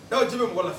N ji bɛ wala la